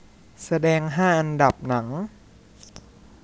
แสดงห้าอันดับหนัง